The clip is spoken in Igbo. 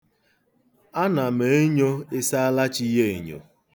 Ana m enyo ịsaalachi ya enyo.